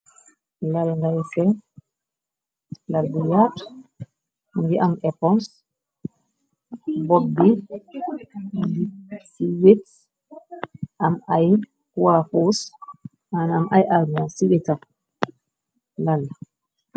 Lal gay seen lal bu yatou muge am eponse bop bi ci wit am ay kowafos manam aye almorr se wete lal be.